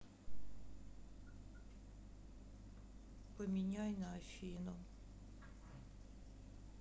поменяй на афину